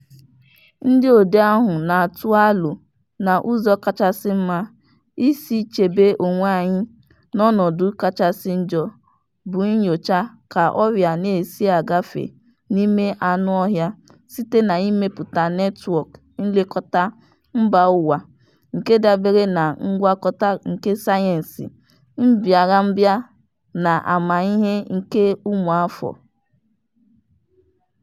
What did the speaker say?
"Ndị odee ahụ na-atụ alo na ụzọ kachasị mma isi chebe onwe anyị n'ọnọdụ kachasị njọ bụ inyocha ka ọrịa na-esi agafe n'ime anụọhịa site n'imepụta netwọk nlekọta mbaụwa nke dabeere na ngwakọta nke sayensị Mbịarambịa na amamihe nke ụmụafọ."